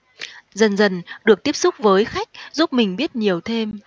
dần dần được tiếp xúc với khách giúp mình biết nhiều thêm